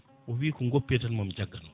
o wi ko goppe tan mami jaggan on